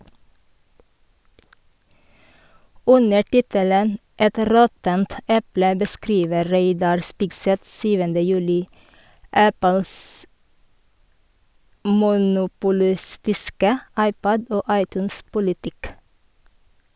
Under tittelen «Et råttent eple» beskriver Reidar Spigseth 7. juli Apples monopolistiske iPod- og iTunes-politikk.